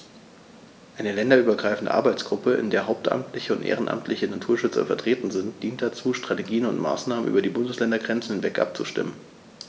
Eine länderübergreifende Arbeitsgruppe, in der hauptamtliche und ehrenamtliche Naturschützer vertreten sind, dient dazu, Strategien und Maßnahmen über die Bundesländergrenzen hinweg abzustimmen.